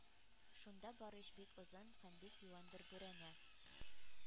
Шунда бар ич бик озын һәм бик юан бер бүрәнә.